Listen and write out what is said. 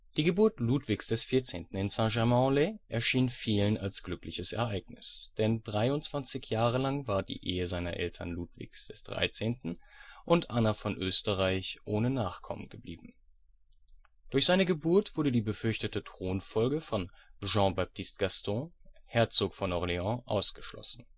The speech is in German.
Die Geburt Ludwigs XIV. in Saint-Germain-en-Laye erschien vielen als glückliches Ereignis, denn 23 Jahre lang war die Ehe seiner Eltern Ludwig XIII. und Anna von Österreich ohne Nachkommen geblieben. Durch seine Geburt wurde die befürchtete Thronfolge von Jean-Baptiste Gaston, Herzog von Orléans ausgeschlossen